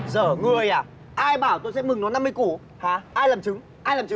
dở người à ai bảo tôi sẽ mừng nó năm mươi củ hả ai làm chứng ai làm chứng